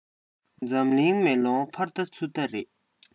འཛམ གླིང མེ ལོང ཕར བལྟ ཚུར བལྟ རེད